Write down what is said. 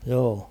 joo